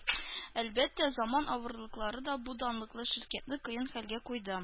Әлбәттә, заман авырлыклары да бу данлыклы ширкәтне кыен хәлгә куйды.